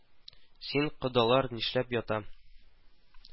Син, кодалар нишләп ята